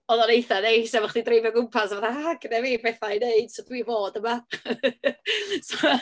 Oedd o'n eitha neis de bo' chdi'n dreifio o gwmpas fatha, "Ha ha, gynna fi bethau i wneud, so dwi fod yma".